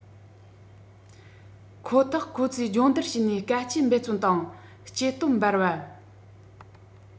ཁོ ཐག ཁོ ཚོས སྦྱོང བརྡར བྱས ནས དཀའ སྤྱད འབད བརྩོན དང སྐྱེ སྟོབས འབར བ